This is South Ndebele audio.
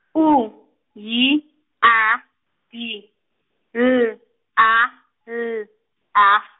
U, Y, A, D, L, A, L, A.